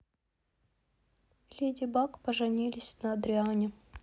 леди баг поженилась на адриане